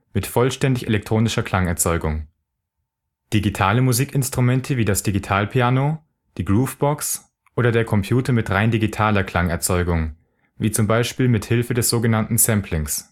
mit vollständig elektronischer Klangerzeugung Digitale Musikinstrumente wie das Digitalpiano, die Groovebox oder der Computer mit rein digitaler Klangerzeugung, wie zum Beispiel mit Hilfe des sogenannten Samplings